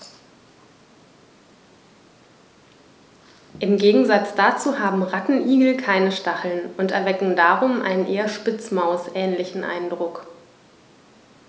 Im Gegensatz dazu haben Rattenigel keine Stacheln und erwecken darum einen eher Spitzmaus-ähnlichen Eindruck.